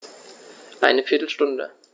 Eine viertel Stunde